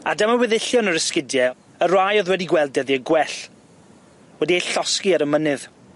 A dyma weddillion yr esgidie y rai o'dd wedi gweld dyddie gwell, wedi eu llosgi ar y mynydd.